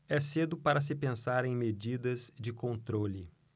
é cedo para se pensar em medidas de controle